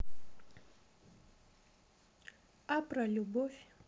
а про любовь